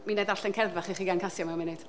Mi wna i ddarllen cerdd fach i chi gan Casia mewn munud.